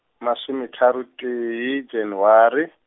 masometharo tee Janaware.